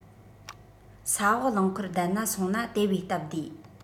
ས འོག རླངས འཁོར བསྡད ན སོང ན དེ བས སྟབས བདེ